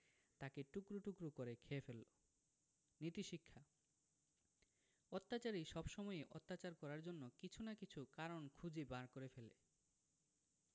তাকে টুকরো টুকরো করে খেয়ে ফেলল নীতিশিক্ষা অত্যাচারী সবসময়ই অত্যাচার করার জন্য কিছু না কিছু কারণ খুঁজে বার করে ফেলে